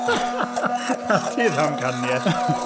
'Na ti ddamcaniaeth!